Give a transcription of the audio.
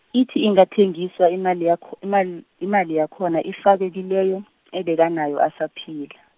ithi ingathengisa imali yakho, imal- imali yakhona ifakwe kileyo , ebekanayo asaphila.